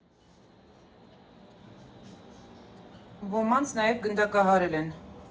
Ոմանց նաև գնդակահարել են։